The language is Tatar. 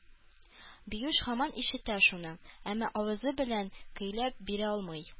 Биюш һаман ишетә шуны, әмма авызы белән көйләп бирә алмый.